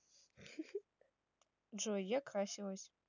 джой я красилась